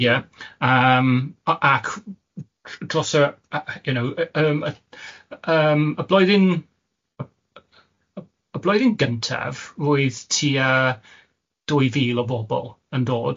Ie yym ac dros y, you know yym y yym y blwyddyn, y y blwyddyn gyntaf roedd tua dwy fil o bobl yn dod.